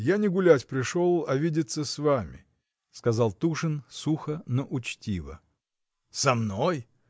Я не гулять пришел, а видеться с вами, — сказал Тушин сухо, но учтиво. — Со мной!